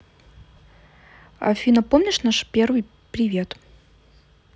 афина помнишь наш первый привет